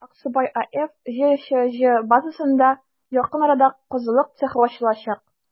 «аксубай» аф» җчҗ базасында якын арада казылык цехы ачылачак.